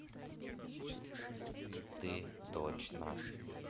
ты точно